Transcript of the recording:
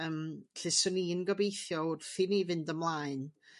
Yym 'lly 'swn i'n gobeithio wrth i ni fynd ymlaen